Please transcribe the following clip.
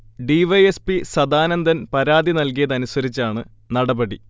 D. Y. S. P. Sadanandan പരാതി നൽകിയതനുസരിച്ചാണ് നടപടി